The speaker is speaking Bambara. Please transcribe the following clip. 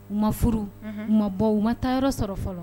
U ma furu u ma bɔ u ma taa yɔrɔ sɔrɔ fɔlɔ